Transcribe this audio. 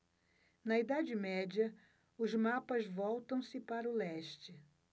na idade média os mapas voltam-se para o leste